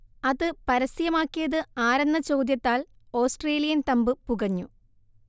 അത് പരസ്യമാക്കിയത് ആരെന്ന ചോദ്യത്താൽ ഓസ്ട്രേലിയൻ തമ്പ് പുകഞ്ഞു